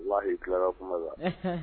Wahi tilara kuma na